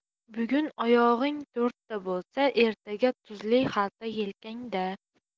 bugun oyog'ing to'rtta bo'lsa ertaga tuzli xalta yelkangda